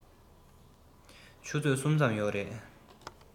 ཆུ ཚོད གསུམ ཙམ ཡོད རེད